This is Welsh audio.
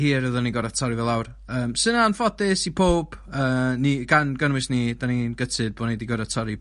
hir odden ni gor'o' torri fe lawr yym sy'n anffodus i powb yy ni gan gynnwys ni 'dyn ni'n gutted bo' ni 'di gorod torri...